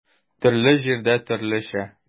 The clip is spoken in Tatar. Төрле җирдә төрлечә.